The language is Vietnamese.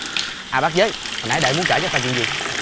à bát giới hồi nãy đệ muốn kể cho ta chuyện gì